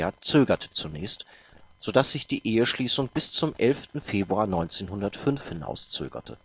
zögerte zunächst, so dass sich die Eheschließung bis zum 11. Februar 1905 hinauszögerte